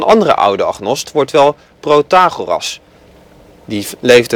andere oude agnost wordt wel Protagoras (480 - 410